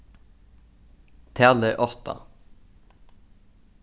talið átta